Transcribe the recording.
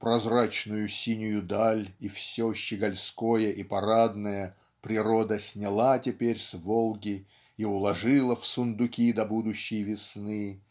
прозрачную синюю даль и все щегольское и парадное природа сняла теперь с Волги и уложила в сундуки до будущей весны